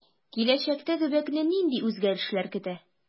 Киләчәктә төбәкне нинди үзгәрешләр көтә?